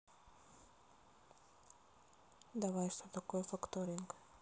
давай что такое факторинг